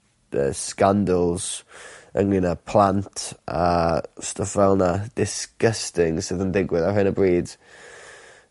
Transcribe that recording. the scandals ynglŷn â plant a stwff fel 'na disgusting sydd yn digwydd ar hyn o bryd.